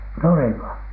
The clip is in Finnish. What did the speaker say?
nurinko